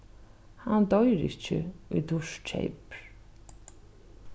hann doyr ikki ið dýrt keypir